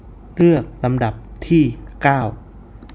เลือกลำดับที่เก้า